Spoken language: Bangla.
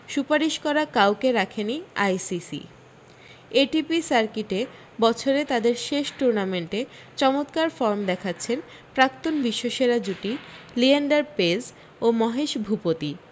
সুপারিশ করা কাউকে রাখেনি আই সি সি এটিপি সার্কিটে বছরে তাদের শেষ টুর্নামেন্টে চমতকার ফর্ম দেখাচ্ছেন প্রাক্তন বিশ্বসেরা জুটি লিয়েন্ডার পেজ ও মহেশ ভূপতি